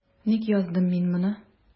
Ник яздым мин моны?